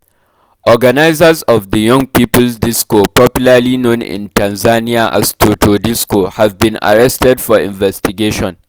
Organisers of the young people's disco popularly known in Tanzania as ‘Toto disco’ have been arrested for investigation.